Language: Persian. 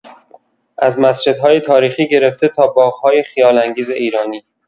از مسجدهای تاریخی گرفته تا باغ‌های خیال‌انگیز ایرانی